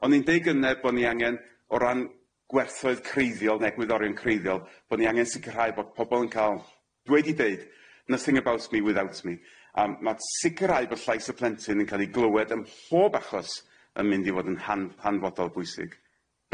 O'n i'n deu' gynne bo' ni angen o ran gwerthoedd creiddiol ne' gwyddorion creiddiol bo' ni angen sicirhau bo' pobol yn ca'l dweud i deud nothing about me without me a ma' sicirhau bo' llais y plentyn yn ca'l i glywed ym mhob achos yn mynd i fod yn han- hanfodol bwysig.